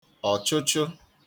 òchụchụ